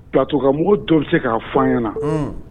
Ka to ka mugu to bɛ se k'a fɔ ɲɛna na